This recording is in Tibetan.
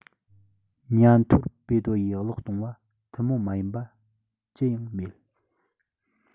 ཉ ཐོར ཕེ ཏོ ཡིས གློག གཏོང བ ཐུན མོང མ ཡིན པ ཅི ཡང མེད